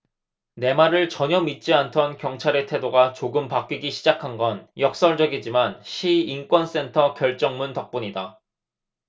내 말을 전혀 믿지 않던 경찰의 태도가 조금 바뀌기 시작한 건 역설적이지만 시 인권센터 결정문 덕분이다